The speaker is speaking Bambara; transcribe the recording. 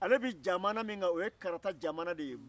ale be jamana min kan o ye karata jamana de ye